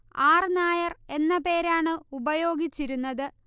R Nair എന്ന പേരാണ് ഉപയോഗിച്ചിരുന്നത്